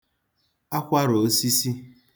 akwarà osisi